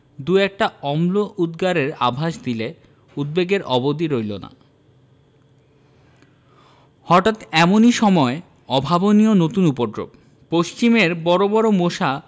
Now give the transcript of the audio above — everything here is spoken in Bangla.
দু একটা অম্ল উদগারের আভাস দিলে উদ্বেগের অবধি রইল না হঠাৎ এমনি সময় অভাবনীয় নতুন উপদ্রব পশ্চিমের বড় বড় মশা